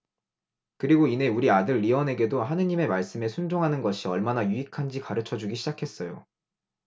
그리고 이내 우리 아들 리언에게도 하느님의 말씀에 순종하는 것이 얼마나 유익한지 가르쳐 주기 시작했어요